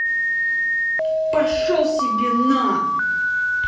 пошел себе на